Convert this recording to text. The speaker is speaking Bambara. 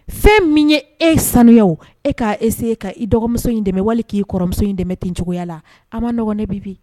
Fɛn min ye e ye sanuya e k'a e se ka i dɔgɔmuso in dɛmɛ wali k'i kɔrɔmuso in dɛmɛ tencogo cogoya la an maɔgɔn ne bi bi